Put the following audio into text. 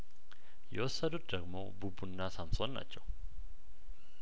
የወሰዱት ደግሞ ቡቡ እና ሳምሶን ናቸው